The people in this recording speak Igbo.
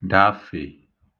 dāfè